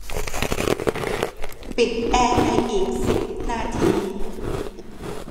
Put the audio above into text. ปิดแอร์ในอีกสิบนาที